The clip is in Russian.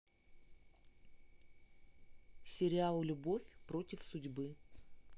сериал любовь против судьбы